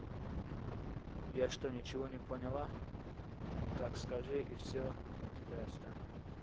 я что ничего не поняла так скажи и все мы тебя станем